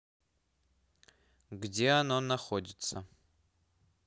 где оно находится